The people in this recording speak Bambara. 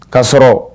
Ka sɔrɔ